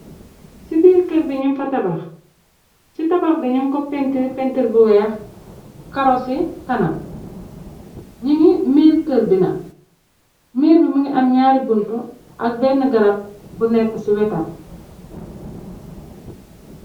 Ci biir kër bi ñum fa tabax ci tabax bi ñum ko pentir pentir bu wèèx karosi kanam ni ngi miir kër bi na miir bi mi ngi am ñaari buntu ak benna garab bu nèkka ci wettam.